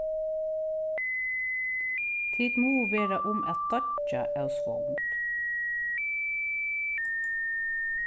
tit mugu vera um at doyggja av svongd